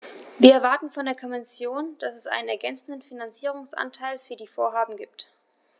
Wir erwarten von der Kommission, dass es einen ergänzenden Finanzierungsanteil für die Vorhaben gibt.